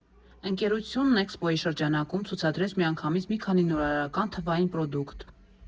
Ընկերությունն էքսպոյի շրջանակում ցուցադրեց միանգամից մի քանի նորարարական թվային պրոդուկտ։